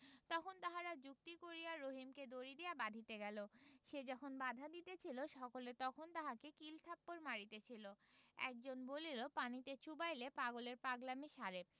তখন তাহারা যুক্তি করিয়া রহিমকে দড়ি দিয়া বাধিতে গেল সে যখন বাধা দিতেছিল সকলে তখন তাহাকে কিল থাপ্পর মারিতেছিল একজন বলিল পানিতে চুবাইলে পাগলের পাগলামী সারে